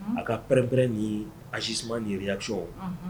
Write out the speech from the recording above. A ka pɛrɛn pɛrɛn ni agissement ni réaction